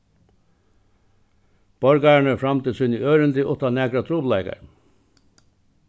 borgararnir framdu síni ørindi uttan nakrar trupulleikar